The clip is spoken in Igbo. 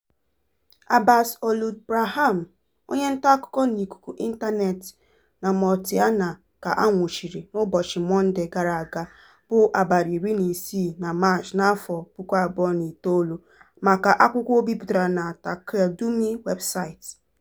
Abbass Ould Braham, onye ntaakụkọ n'ikuku ịntanetị na Mauritania ka a nwụchiri n'ụbọchị Monde gara aga bụ 16 Maachị 2009, maka akwụkwọ o bipụtara na Taqadoumy Websait.